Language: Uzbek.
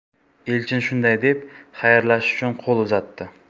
elchin shunday deb xayrlashish uchun qo'l uzatdi